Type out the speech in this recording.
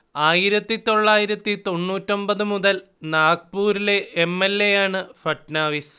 ആയിരത്തിതൊള്ളായിരത്തിതൊന്നൂറ്റിയൊൻപത് മുതൽ നാഗ്പൂറിലെ M. L. A. ആണ് ഫട്നാവിസ്